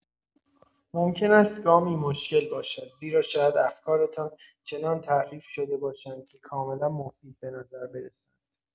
ممکن است گامی مشکل باشد، زیرا شاید افکارتان چنان تحریف شده باشند که کاملا مفید به نظر برسند.